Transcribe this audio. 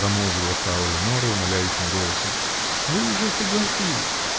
-- промолвила фрау Леноре умоляющим голосом, -- вы уже согласились!